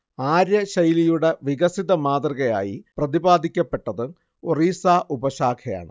ആര്യ ശൈലിയുടെ വികസിത മാതൃകയായി പ്രതിപാദിക്കപ്പെട്ടത് ഒറീസ ഉപശാഖയാണ്